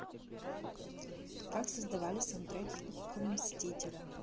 как создавались саундтреки к мстителям